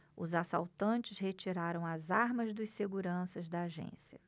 os assaltantes retiraram as armas dos seguranças da agência